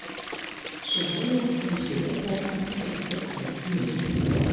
Шулай ук 17 ләп процент хәлифәт кирәк дип әйтә.